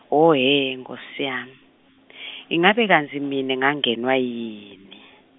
Hhohhe nkhosi yami , ingabe kantsi mine ngangenewa yini?